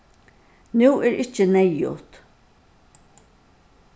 nú er ikki neyðugt